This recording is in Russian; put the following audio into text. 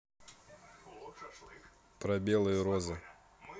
про белые розы